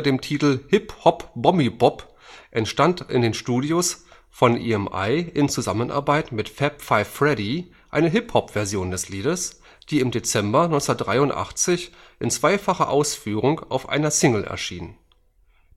dem Titel Hip-Hop-Bommi-Bop entstand in den Studios von EMI in Zusammenarbeit mit Fab 5 Freddy eine Hip-Hop-Version des Liedes, die im Dezember 1983 in zweifacher Ausführung auf einer Single erschien.